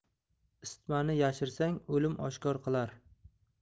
isitmani yashirsang o'lim oshkor qilar